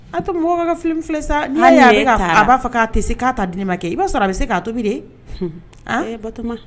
A' y'a to mɔgɔ k'a ka film filɛ sa k'a t'a di ne ma kɛ i b'a sɔrɔ a bɛ se k'a tobi de, hun, e Batɔɔma